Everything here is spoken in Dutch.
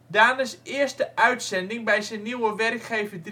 Danes eerste uitzending bij zijn nieuwe werkgever